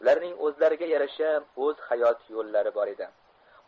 ularning o'zlariga yarasha o'z hayot yo'llari bor edi